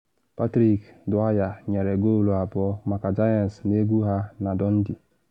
Patrick Dwyer nyere goolu abụọ maka Giants n’egwu ha na Dundee